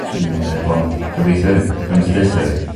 Swn i 'im yn deud bo n'w. Gobeithio ddim. Nw'm wedi deutho fi.